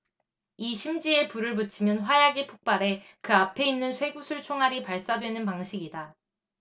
이 심지에 불을 붙이면 화약이 폭발해 그 앞에 있는 쇠구슬 총알이 발사되는 방식이다